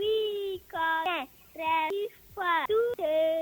Yi kɔrɔ se fa